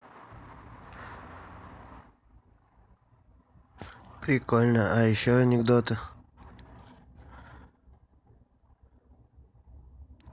прикольно а еще анекдоты